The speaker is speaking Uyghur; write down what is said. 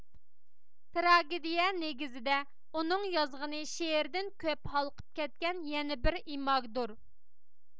تىراگىدىيە نېگىزىدە ئۇنىڭ يازغىنى شېئىردىن كۆپ ھالقىپ كەتكەن يەنە بىر ئىماگدۇر